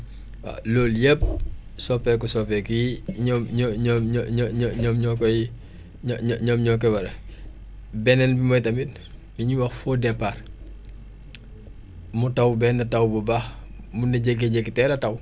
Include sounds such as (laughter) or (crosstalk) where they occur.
waaw loolu yëpp (noise) soppeeku soppeeku yi ñoom ñoom ñoom ñoom ñoo koy ñoom ñoom ñoo koy waral beneen bi mooy tamit li ñuy wax faux départ mu taw benn taw bu baax mun na jékkee-jékki teel a taw